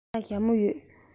ང ལ ཞྭ མོ ཡོད